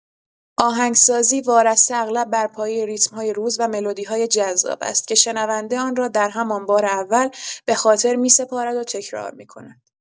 آهنگسازی وارسته اغلب بر پایه ریتم‌های روز و ملودی‌های جذاب است که شنونده آن را در همان بار اول به‌خاطر می‌سپارد و تکرار می‌کند.